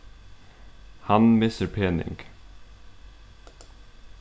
hann missir pening